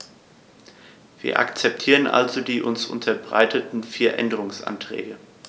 Wir akzeptieren also die uns unterbreiteten vier Änderungsanträge.